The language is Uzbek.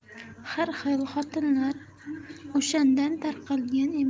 har xil xotinlar o'shandan tarqalgan emish